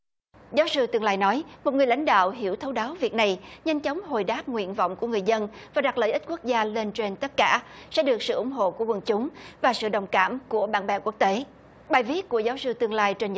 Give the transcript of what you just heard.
giáo sư tương lai nói một người lãnh đạo hiểu thấu đáo việc này nhanh chóng hồi đáp nguyện vọng của người dân phải đặt lợi ích quốc gia lên trên tất cả sẽ được sự ủng hộ của quần chúng và sự đồng cảm của bạn bè quốc tế bài viết của giáo sư tương lai trần